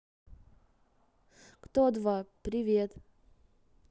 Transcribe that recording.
кто два привет